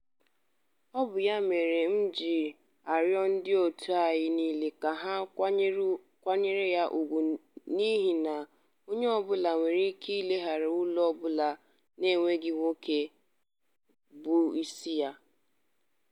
Ọ bụ ya mere m ji arịọ ndị òtù anyị niile ka ha kwanyere ya ùgwù n'ihi na onye ọbụla nwere ike ileghara ụlọ ọbụla n'enweghị nwoke nke bụ (isi ya) anya.